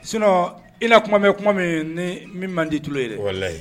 Sinon , i na kuma mɛn kuma min ni min man di i tulo ye, walaye